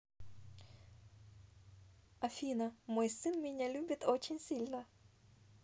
афина мой сын меня любит очень сильно